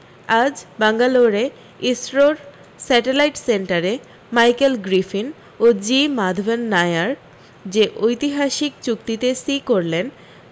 আজ বাঙ্গালোরে ইসরোর স্যাটেলাইট সেন্টারে মাইকেল গ্রিফিন ও জি মাধবন নায়ার যে ঐতিহাসিক চুক্তিতে সি করলেন